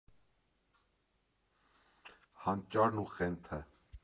Հանճարն ու խենթը։